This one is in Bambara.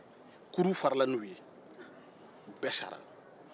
kurun farala n'u ye u bɛɛ sara